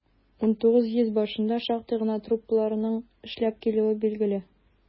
XIX йөз башында шактый гына труппаларның эшләп килүе билгеле.